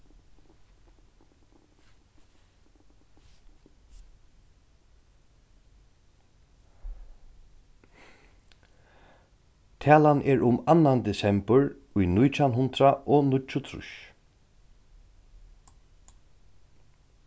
talan er um annan desembur í nítjan hundrað og níggjuogtrýss